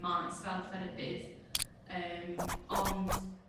maes fel therapydd yym ond